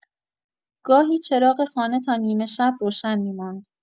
گاهی چراغ خانه تا نیمه‌شب روشن می‌ماند.